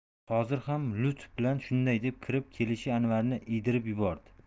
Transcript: hozir ham lutf bilan shunday deb kirib kelishi anvarni iydirib yubordi